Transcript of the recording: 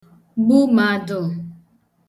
gbu madụ̄